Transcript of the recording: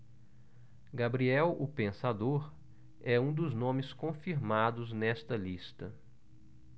gabriel o pensador é um dos nomes confirmados nesta lista